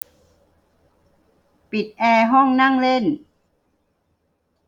ปิดแอร์ห้องนั่งเล่น